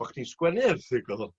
Bo' chdi'n sgwennu erthygl